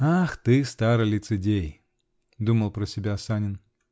"Ах ты, старый лицедей!" -- думал про себя Санин.